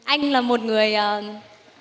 anh là một người ờ